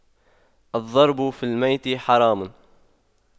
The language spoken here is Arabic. الضرب في الميت حرام